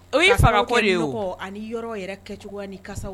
O ye farakɔ de ani yɔrɔ yɛrɛ kɛcogo ni kasa